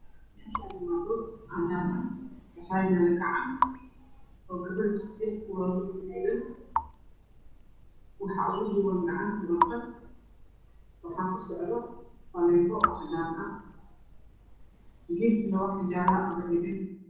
Meeshaan waa dhul cagaaran waxaa yaalo gacan oo gabar wadato oo gaduudan waxaa ugu duuban gacanta warqad waxaa ku socdo faleembo cad geesna waxyaabo ogadhagan.